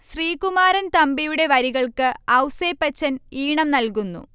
ശ്രീകുമാരൻ തമ്പിയുടെ വരികൾക്ക് ഔസേപ്പച്ചൻ ഈണം നൽകുന്നു